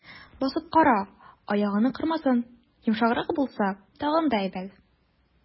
Басып кара, аягыңны кырмасын, йомшаграк булса, тагын да әйбәт.